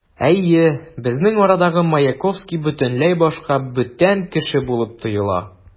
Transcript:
Әйе, безнең арадагы Маяковский бөтенләй башка, бүтән кеше булып тоела.